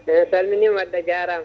eyyi mi saminima wadde a jarama